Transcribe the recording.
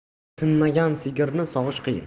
sinamagan sigirni sog'ish qiyin